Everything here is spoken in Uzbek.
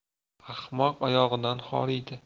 ahmoq oyog'idan horiydi